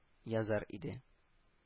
Язар иде